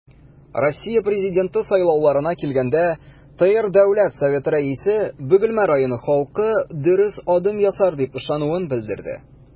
Россия Президенты сайлауларына килгәндә, ТР Дәүләт Советы Рәисе Бөгелмә районы халкы дөрес адым ясар дип ышануын белдерде.